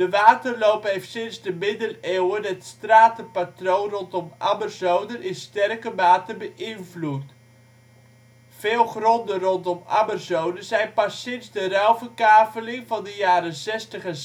waterloop heeft sinds de Middeleeuwen het stratenpatroon rondom Ammerzoden in sterke mate beïnvloed. Veel gronden rondom Ammerzoden zijn pas sinds de ruilverkaveling van de jaren zestig en